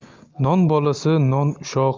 non bolasi non ushoq